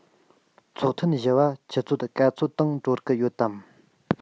ཚོགས ཐུན བཞི པ ཆུ ཚོད ག ཚོད སྟེང གྲོལ གི ཡོད དམ